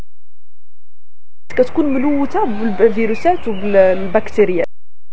البكتيريا